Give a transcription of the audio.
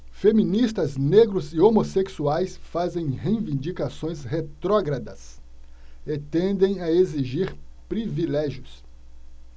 feministas negros e homossexuais fazem reivindicações retrógradas e tendem a exigir privilégios